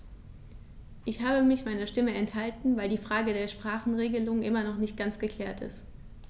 Ich habe mich meiner Stimme enthalten, weil die Frage der Sprachenregelung immer noch nicht ganz geklärt ist.